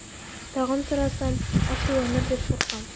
Тагын сорасам, ачуланыр дип куркам.